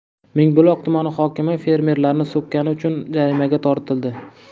mingbuloq tumani hokimi fermerlarni so'kkani uchun jarimaga tortildi